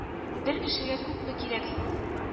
Бер кешегә күпме кирәк соң